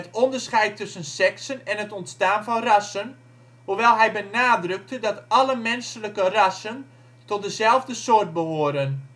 onderscheid tussen seksen en het ontstaan van rassen, hoewel hij benadrukte dat alle menselijke rassen tot dezelfde soort behoren